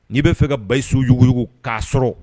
N'i bɛ fɛ ka bayisougu k'a sɔrɔ